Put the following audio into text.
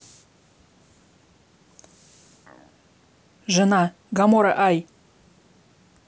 жена гамора ай